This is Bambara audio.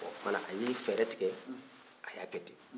o tuma na a ye fɛɛrɛ tigɛ a y'a kɛ ten